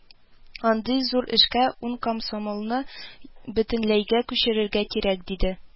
Андый зур эшкә ун комсомолны бөтенләйгә күчерергә кирәк, диде